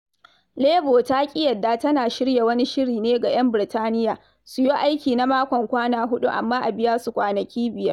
Labour ta ƙi yarda tana shirya wani shiri ne ga 'yan Birtaniyya su yi aiki na makon kwana huɗu amma a biya su kwanaki biyar